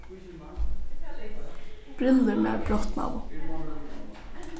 brillurnar brotnaðu